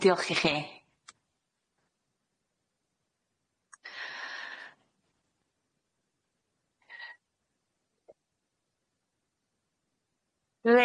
A diolch i chi.